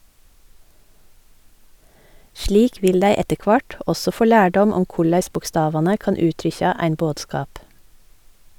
Slik vil dei etter kvart også få lærdom om korleis bokstavane kan uttrykkja ein bodskap.